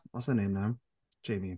what's her name now? Jamie?